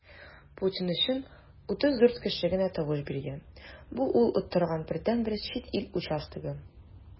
Путин өчен 34 кеше генә тавыш биргән - бу ул оттырган бердәнбер чит ил участогы.